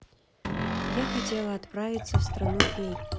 я хотела отправиться в страну фей